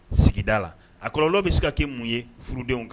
Sigida la a kɔrɔlɔ bɛ se ka kɛ mun ye furudenw kan